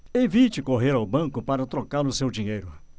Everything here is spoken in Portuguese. evite correr ao banco para trocar o seu dinheiro